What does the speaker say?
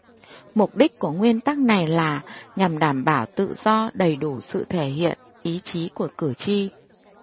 mục đích của nguyên tắc này là nhằm đảm bảo tự do đầy đủ sự thể hiện ý chí của cử tri